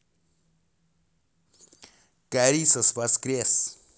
carissa's воскрес